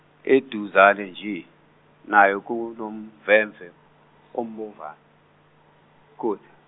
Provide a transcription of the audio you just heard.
eduze nje, naye kunomvemve, obomvana .